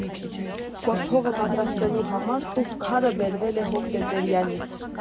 Կոթողը պատրաստելու համար տուֆ քարը բերվել է Հոկտեմբերյանից։